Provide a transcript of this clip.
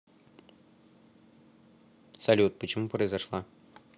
салют почему произошла